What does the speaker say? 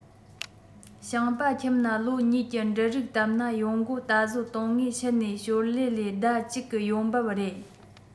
ཞིང པ ཁྱིམ ན ལོ གཉིས ཀྱི འབྲུ རིགས བཏབ ན ཡོང སྒོ ད གཟོད དོན དངོས ཕྱི ནས ཞོར ལས ལས ཟླ གཅིག གི ཡོང འབབ རེད